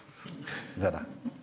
det er det.